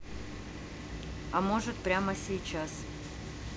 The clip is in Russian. а может прямо сейчас